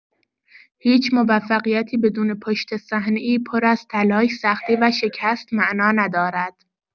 هیچ موفقیتی بدون پشت‌صحنه‌ای پر از تلاش، سختی و شکست معنا ندارد.